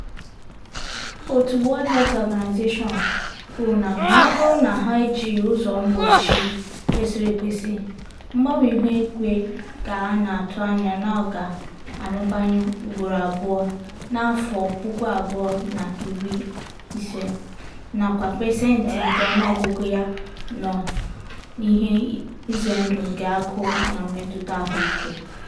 Òtù World Health Organisation (WHO) kwuru na maọbụrụ na ha ejighi ụzọ mgbochi kwesịrị ekwesị, mgbanwe ihuigwe ka a na-atụ anya na ọ ga-amụbanye ugboro abụọ na 2050 nakwa pasenti nke ọnụọgụgụ ya nọ n'ihe ize ndụ nke agụụ na mmetụta ahụike.